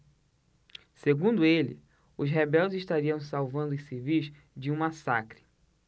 segundo ele os rebeldes estariam salvando os civis de um massacre